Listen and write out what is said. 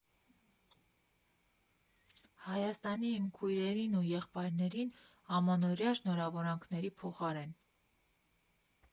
Հայաստանի իմ քույրերին ու եղբայրներին՝ ամանորյա շնորհավորանքների փոխարեն։